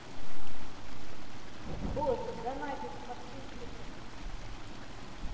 боже донатить подписчиков